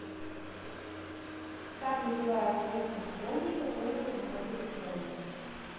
как называются люди в японии которые не выходят из дома